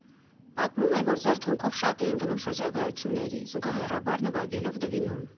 Պատմում է, որ «Զարթոնքով» շատ էին գնում շրջագայությունների, զուգահեռաբար նվագելով «Դվինում»։